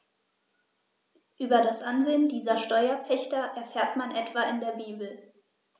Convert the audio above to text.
Über das Ansehen dieser Steuerpächter erfährt man etwa in der Bibel.